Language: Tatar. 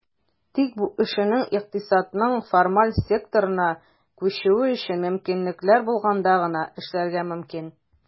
Тик бу эшченең икътисадның формаль секторына күчүе өчен мөмкинлекләр булганда гына эшләргә мөмкин.